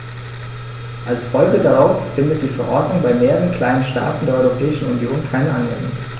Als Folge daraus findet die Verordnung bei mehreren kleinen Staaten der Europäischen Union keine Anwendung.